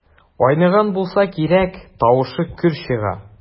Айныган булса кирәк, тавышы көр чыга.